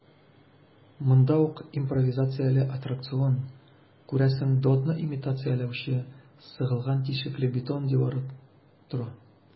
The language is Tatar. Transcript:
Монда ук импровизацияле аттракцион - күрәсең, дотны имитацияләүче сыгылган тишекле бетон дивар тора.